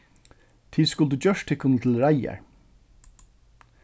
tit skuldu gjørt tykkum til reiðar